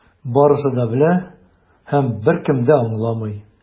Барысы да белә - һәм беркем дә аңламый.